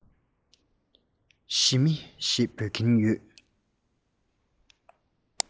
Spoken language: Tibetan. ཞི མི ཞེས འབོད ཀྱིན འདུག